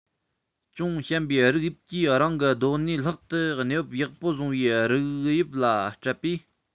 ཅུང ཞན པའི རིགས དབྱིབས ཀྱིས རང གི སྡོད གནས ལྷག ཏུ གནས བབ ཡག པོ བཟུང བའི རིགས དབྱིབས ལ སྤྲད པས